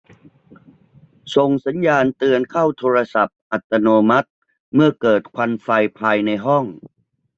ส่งสัญญาณเตือนเข้าโทรศัพท์อัตโนมัติเมื่อเกิดควันไฟภายในห้อง